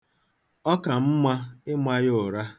Ọ ka mma ịma ya ụra.